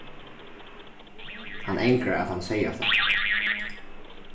hann angrar at hann segði hatta